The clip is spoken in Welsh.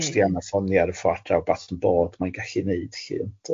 ...os di angan ffonio ar y ffordd adra wbath n bod mae'n gallu wneud lly ynde.